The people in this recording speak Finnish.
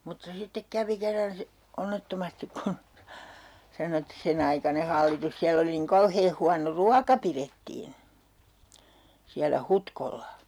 mutta sitten kävi kerran - onnettomasti kun sanoi että sen aikainen hallitus siellä oli niin kauhean huono ruoka pidettiin siellä Hutkolla